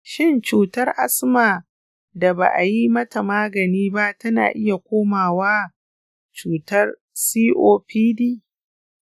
shin cutar asma da ba a yi mata magani ba tana iya komawa zuwa cutar copd?